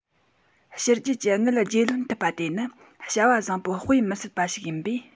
ཕྱི རྒྱལ གྱི དངུལ བརྗེས ལོན ཐུབ པ དེ ནི བྱ བ བཟང པོ དཔེ མི སྲིད པ ཞིག ཡིན པས